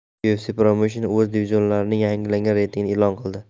ufc promousheni o'z divizionlarining yangilangan reytingini e'lon qildi